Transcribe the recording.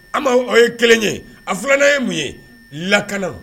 O ye kelen ye a filanan ye mun ye lakana